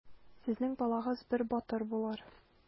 Сезнең балагыз бер батыр булыр.